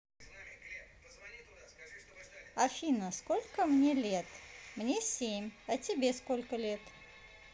афина сколько мне лет мне семь а тебе сколько лет